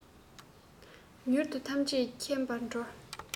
མྱུར དུ ཐམས ཅད མཁྱེན པར འགྲོ